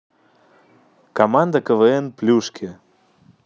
команда квн плюшки